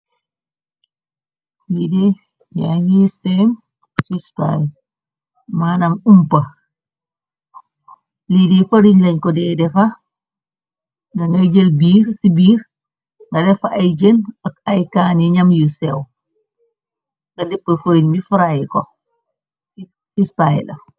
Bidi yangi seifishpay la manam umpa lii di pariñ lañ ko dee defa da ngay jël ci biir nga defa ay jën ak aykaan yi ñam yu seew nga dépp foyn bi fray ko fispay la.